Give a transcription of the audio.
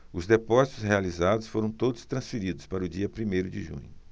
os depósitos realizados foram todos transferidos para o dia primeiro de junho